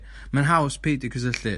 Mae'n haws peidio cysylltu.